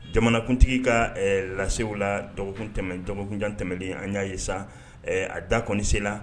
Jamanakuntigi ka lase o la dɔgɔkun tɛmɛn dɔgɔkunjan tɛmɛnen an y'a ye sa a da kɔnise la